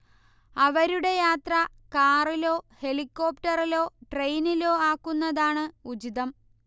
അവരുടെ യാത്ര കാറിലോ ഹെലികോ്ര്രപറിലോ ട്രെയിനിലോ ആക്കുന്നതാണ് ഉചിതം